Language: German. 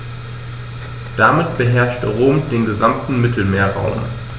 Damit beherrschte Rom den gesamten Mittelmeerraum.